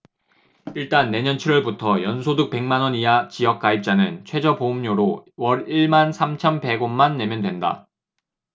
일단 내년 칠 월부터 연소득 백 만원 이하 지역가입자는 최저보험료로 월 일 만 삼천 백 원만 내면 된다